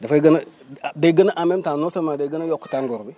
dafay gën a ah day gën a en même temps non seulement day gën a yokk tàngoor bi